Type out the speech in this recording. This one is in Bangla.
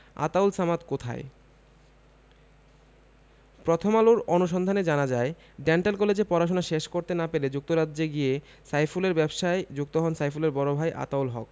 আতাউল সামাদ কোথায় প্রথম আলোর অনুসন্ধানে জানা যায় ডেন্টাল কলেজে পড়াশোনা শেষ করতে না পেরে যুক্তরাজ্যে গিয়ে সাইফুলের ব্যবসায় যুক্ত হন সাইফুলের বড় ভাই আতাউল হক